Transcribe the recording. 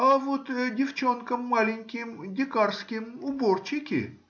— А вот девчонкам маленьким дикарским уборчики